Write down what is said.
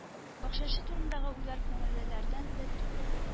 Бакчачы турындагы уйлар күңеллеләрдән дә түгел